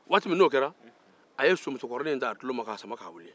waati min n'o kɛra a ye somusokɔrɔnin in ta a tulo ka sama ka wuli